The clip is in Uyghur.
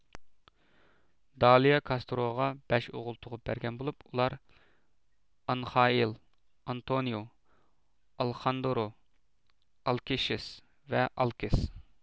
دالىيا كاستروغا بەش ئوغۇل تۇغۇپ بەرگەن بولۇپ ئۇلار ئانخائىل ئانتونىئو ئالېخاندرو ئالېكشىس ۋە ئالېكس